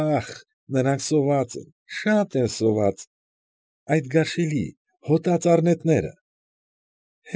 Ախ, նրանք սոված են, շատ են սոված, այդ գարշելի, հոտած առնետները։